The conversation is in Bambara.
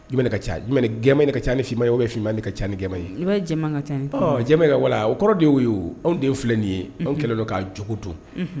I ka camɛ ni ka caani fma ye o bɛ f ka caanimɛ ye i bɛ ka ca ka wala o kɔrɔ de ye anw den filɛ nin ye anw kɛlɛ dɔ k'a jugu don